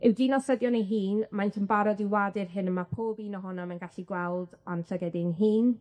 I'w dinasyddion eu hun, maent yn barod i wadu'r hyn a ma' pob un ohonom yn gallu gweld a'n llygaid ein hun,